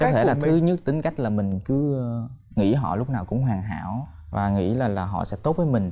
có thể là thứ nhất tính cách là mình cứ nghĩ họ lúc nào cũng hoàn hảo và nghĩ là là họ sẽ tốt với mình